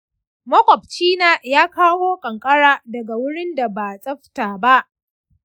makwabci na ya kawo kankara daga wurin da ba tsafta ba.